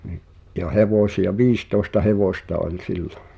niin ja hevosia viisitoista hevosta oli sillä